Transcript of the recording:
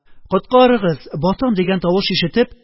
«коткарыгыз, батам!» дигән тавыш ишетеп,